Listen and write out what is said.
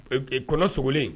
Kɔnɔ sogolen